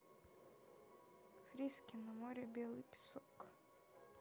фриске на море белый песок